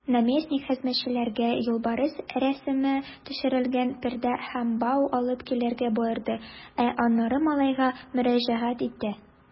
Наместник хезмәтчеләргә юлбарыс рәсеме төшерелгән пәрдә һәм бау алып килергә боерды, ә аннары малайга мөрәҗәгать итте.